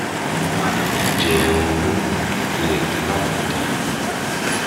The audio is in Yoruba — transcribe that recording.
Wọ́n máa lè jẹ ogún àti ẹ̀tọ́ láti di ìbò.